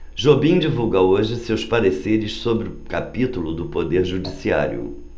jobim divulga hoje seus pareceres sobre o capítulo do poder judiciário